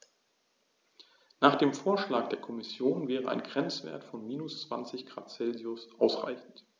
Nach dem Vorschlag der Kommission wäre ein Grenzwert von -20 ºC ausreichend.